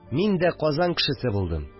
Мин дә Казан кешесе булдым